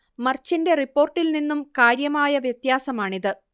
മർച്ചിന്റെ റിപ്പോർട്ടിൽ നിന്നും കാര്യമായ വ്യത്യാസമാണിത്